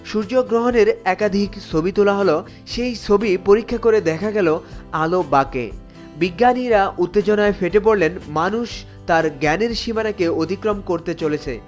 সূর্যগ্রহণের একাধিক ছবি তোলা হলো সেই ছবি পরীক্ষা করে দেখা গেল আলো বাকে বিজ্ঞানীরা উত্তেজনায় ফেটে পড়লেন মানুষ তার জ্ঞানের সীমানাকে অতিক্রম করতে চলেছে